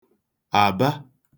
àba